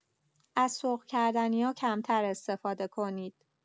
از سرخ‌کردنی‌ها کمتر استفاده کنید.